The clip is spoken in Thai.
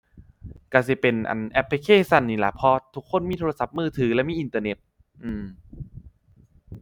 ก็สิเป็น อั่น แอปพลิเคชันนี่ล่ะ เพราะว่าทุกคนมีโทรศัพท์มือถือและมีอินเทอร์เน็ต อื้อ